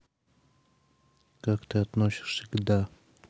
как ты относишься к да